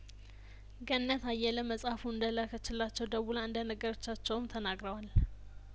ገነት አየለመጽሀፉን እንደላከችላቸው ደውላ እንደነገረቻቸውም ተናግረዋል